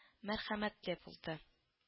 Мәрхәмәтле булды